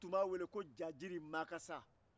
u tun b'a weele ko jajiri makasa